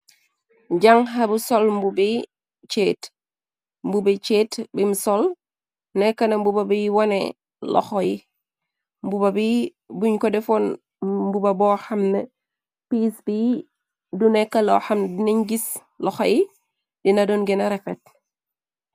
jàng xabu sol mbubi ceet mbubi ceet bim sol nekk na mbuba bi wone loxoy mbuba bi buñ ko defoon mbuba bo xamn pias bi du nekkaloo xamn dinañ gis loxoy dina doon gina refet